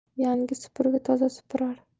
yangi supurgi toza supurar